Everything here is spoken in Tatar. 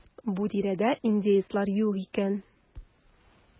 Бу тирәдә индеецлар юк икән.